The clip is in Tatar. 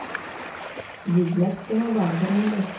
Йөзләп кенә бардыр инде.